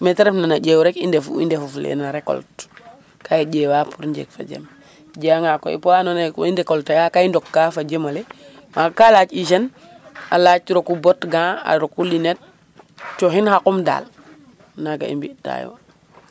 Mee ta refna no ƴeew rek i ndefu i ndefafulee no recolte ga i ƴeewaa pour njeg fo jem i njeganga koy andoona yee ku ndekolte'a ke i ndokka fo jem ole kaga ka laac hygiene a laac roku bot gant roku lunette cooxin xaqum dal naaga i mbi'taayo